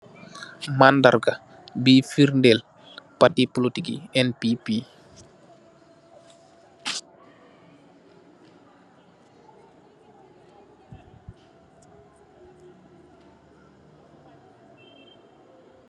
Mandarga búy fridel parti politic NPP.